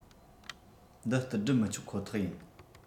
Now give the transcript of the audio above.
འདི ལྟར སྒྲུབ མི ཆོག ཁོ ཐག ཡིན